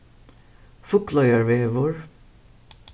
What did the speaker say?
fugloyarvegur